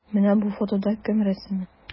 Менә бу фотода кем рәсеме?